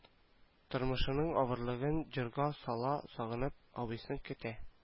Тормышының авырлыгын җырга сала сагынып абыйсын көтә